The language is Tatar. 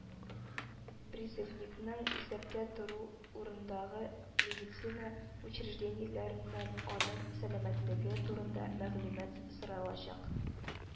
“призывникның исәптә тору урындагы медицина учреждениеләреннән аның сәламәтлеге турында мәгълүмат соралачак